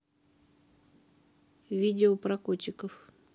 видео про котиков